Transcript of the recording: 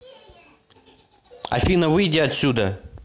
афина выйти отсюда